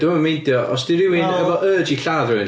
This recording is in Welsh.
Dwi ddim yn meindio os 'di rhywun efo urge i lladd rywun.